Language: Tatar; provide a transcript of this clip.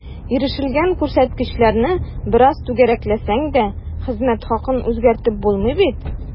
Ирешелгән күрсәткечләрне бераз “түгәрәкләсәң” дә, хезмәт хакын үзгәртеп булмый бит.